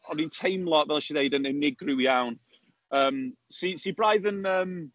O'n in teimlo, fel wnes i ddeud, yn unigryw iawn, yym, sy sy braidd yn yym...